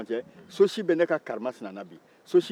sosi bɛ ne ka karisinɛ na bi